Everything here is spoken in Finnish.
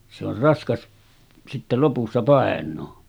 se on raskas sitten lopussa painaa